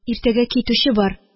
Иртәгә китүче бар